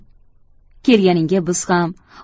kelganingga biz ham